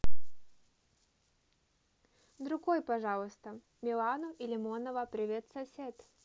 другой пожалуйста milano и лимонова привет сосед